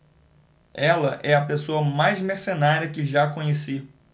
ela é a pessoa mais mercenária que já conheci